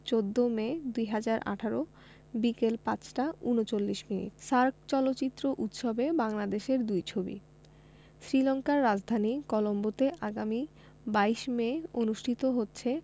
১৪মে ২০১৮ বিকেল ৫টা ৩৯ মিনিট সার্ক চলচ্চিত্র উৎসবে বাংলাদেশের দুই ছবি শ্রীলংকার রাজধানী কলম্বোতে আগামী ২২ মে অনুষ্ঠিত হচ্ছে